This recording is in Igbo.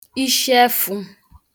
ishi ẹfụ̄